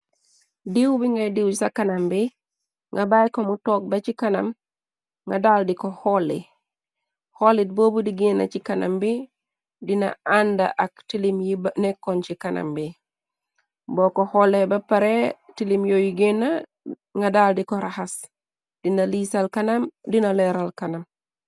Diiw bi ngay diiw ca kanam bi nga bay ko mu toog ba ci kanam nga daal di ko xooli. Xoolit boobu digénna ci kanam bi dina ànda ak tilim yi nekkoon ci kanam bi .Boo ko xoole ba pare tilim yooyu génna nga daal di ko raxas dina liisal kanam, dina leeral kanam.